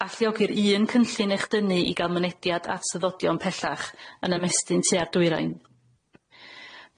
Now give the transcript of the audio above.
alliogi'r un cynllun echdynnu i ga'l mynediad at y ddodion pellach yn ymestyn tua'r dwyrain.